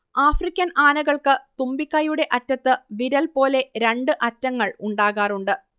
African ആനകൾക്ക് തുമ്പിക്കൈയുടെ അറ്റത്ത് വിരൽ പോലെ രണ്ട് അറ്റങ്ങൾ ഉണ്ടാകാറുണ്ട്